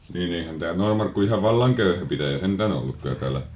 niin eihän tämä Noormarkku ihan vallan köyhä pitäjä sentään ollut kyllä täällä